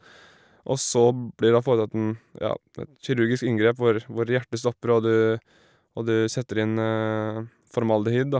Og så blir det da foretatt, en ja, et kirurgisk inngrep hvor hvor hjertet stopper, og du og du setter inn formaldehyd, da.